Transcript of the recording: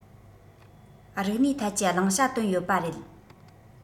རིག གནས ཐད ཀྱི བླང བྱ བཏོན ཡོད པ རེད